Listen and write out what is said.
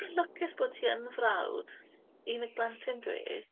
Ti'n lwcus bod ti yn frawd. Unig blentyn dwi.